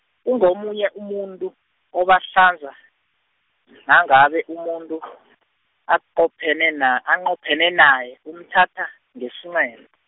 ungomunye umuntu, obahlaza, nangabe umuntu , aqophene na- anqophene naye, umthatha, ngesinqele.